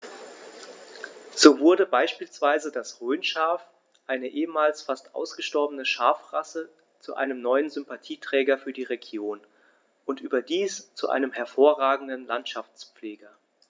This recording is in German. So wurde beispielsweise das Rhönschaf, eine ehemals fast ausgestorbene Schafrasse, zu einem neuen Sympathieträger für die Region – und überdies zu einem hervorragenden Landschaftspfleger.